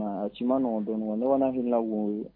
Ci ma nɔ dɔn ne hakiliinawo ye